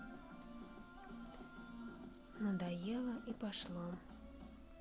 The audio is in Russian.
надоело и пошло